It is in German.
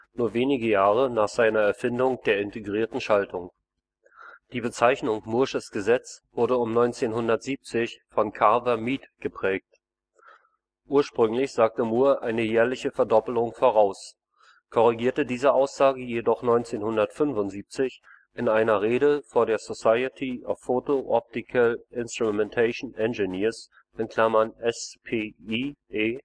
nur wenige Jahre nach Erfindung der integrierten Schaltung. Die Bezeichnung „ mooresches Gesetz “wurde um 1970 von Carver Mead geprägt. Ursprünglich sagte Moore eine jährliche Verdoppelung voraus, korrigierte diese Aussage jedoch 1975 in einer Rede vor der Society of Photo-Optical Instrumentation Engineers (SPIE